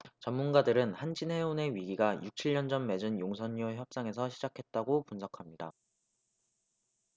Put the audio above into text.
전문가들은 한진해운의 위기가 육 칠 년 전 맺은 용선료 협상에서 시작했다고 분석합니다